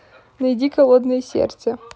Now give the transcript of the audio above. найди холодное сердце